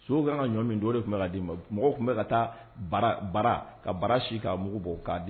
So kɛra ka ɲɔ min dɔw de tun bɛ ka d'i ma mɔgɔw tun bɛ ka taa bara ka baara si ka mugu bɔ k'a di